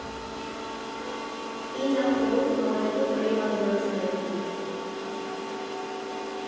Ինը խորհուրդ նորելուկ ռեյվագնացներին։